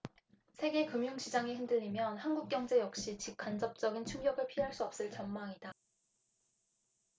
세계 금융시장이 흔들리면 한국 경제 역시 직간접적인 충격을 피할 수 없을 전망이다